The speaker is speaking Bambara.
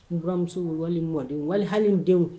Uramuso wale mɔden wali halidenw